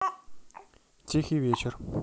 тихий вечер